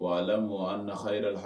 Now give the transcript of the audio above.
Wa ala an naha yɛrɛ la